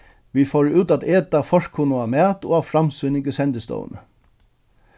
vit fóru út at eta forkunnugan mat og á framsýning í sendistovuni